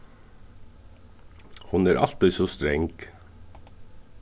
hon er altíð so strang